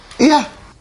Ia!